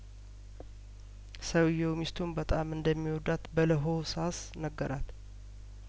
ሰውዬው ሚስቱን በጣም እንደሚወዳት በለሆሳ ስነገራት